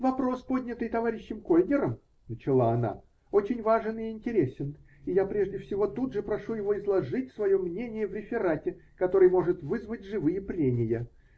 -- Вопрос, поднятый товарищем Кольнером, -- начала она, -- очень важен и интересен, и я прежде всего тут же прошу его изложить свое мнение в реферате, который может вызвать живые прения.